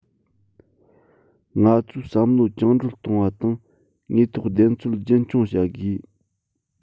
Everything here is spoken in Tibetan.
ང ཚོས བསམ བློ བཅིངས འགྲོལ གཏོང བ དང དངོས ཐོག བདེན འཚོལ རྒྱུན འཁྱོངས བྱ དགོས